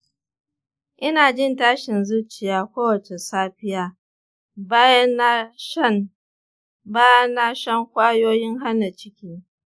ina jin tashin zuciya kowace safiya bayan na shan kwayoyin hana ciki.